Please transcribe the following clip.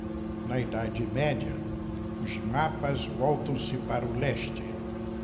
na idade média os mapas voltam-se para o leste